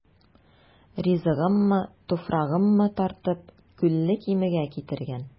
Ризыгыммы, туфрагыммы тартып, Күлле Кимегә китергән.